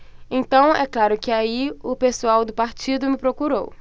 então é claro que aí o pessoal do partido me procurou